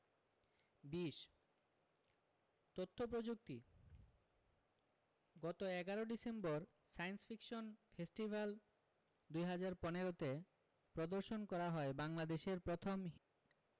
২০ তথ্য প্রযুক্তি গত ১১ ডিসেম্বর সায়েন্স ফিকশন ফেস্টিভ্যাল ২০১৫ তে প্রদর্শন করা হয় বাংলাদেশের প্রথম